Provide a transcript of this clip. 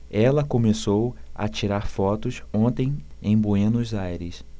ela começou a tirar fotos ontem em buenos aires